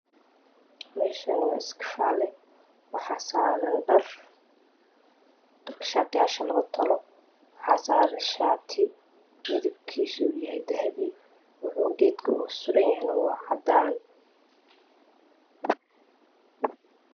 Meshani waa iskafale waxaa saran dharka laga tolo waxaa saran shati midabkiisu uyahay dahabi wuxuu gedku suran yahayna waa cadan